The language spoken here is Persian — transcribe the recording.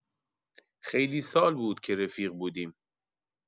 خیلی سال بود که رفیق بودیم.